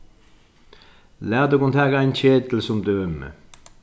lat okkum taka ein ketil sum dømi